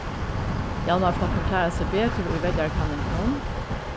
javnaðarflokkurin klárar seg betur í veljarakanningunum